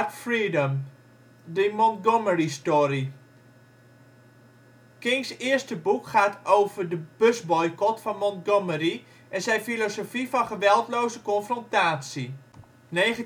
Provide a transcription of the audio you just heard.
Freedom: The Montgomery Story. Kings eerste boek gaat over de busboycot van Montgomery en zijn filosofie van geweldloze confrontatie. 1963